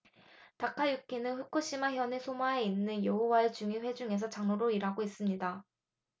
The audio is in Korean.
다카유키는 후쿠시마 현의 소마에 있는 여호와의 증인 회중에서 장로로 일하고 있습니다